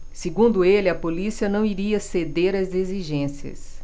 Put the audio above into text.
segundo ele a polícia não iria ceder a exigências